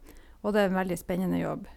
Og det er en veldig spennende jobb.